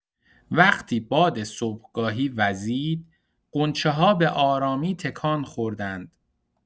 وقتی باد صبحگاهی وزید، غنچه‌ها به‌آرامی تکان خوردند.